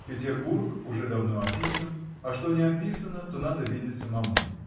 Петербург уже давно описан, а что не описано, то надо видеть самому